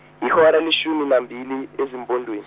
yihora leshumi nambili ezimpondweni.